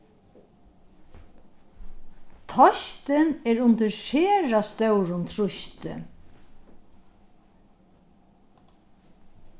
teistin er undir sera stórum trýsti